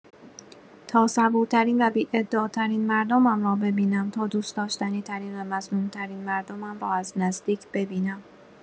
تا صبورترین و بی‌ادعاترین مردمم را ببینم، تا دوست داشتنی‌ترین و مظلوم‌ترین مردمم را از نزدیک ببینم.